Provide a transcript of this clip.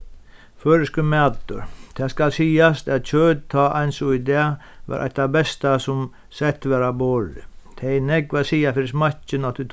føroyskur matur tað skal sigast at kjøt tá eins og í dag var eitt tað besta sum sett varð á borðið tað hevði nógv at siga fyri smakkin á tí